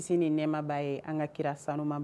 Bilisi ni nɛma' ye an ka kira sanuma